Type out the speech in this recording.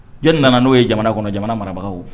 Jɔni nana n'o ye jamana kɔnɔ jamana marabagaw